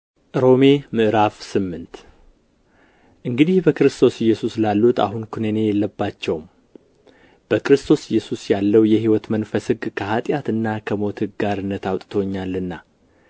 ሮሜ ምዕራፍ ስምንት እንግዲህ በክርስቶስ ኢየሱስ ላሉት አሁን ኵነኔ የለባቸውም በክርስቶስ ኢየሱስ ያለው የሕይወት መንፈስ ሕግ ከኃጢአትና ከሞት ሕግ አርነት አውጥቶኛልና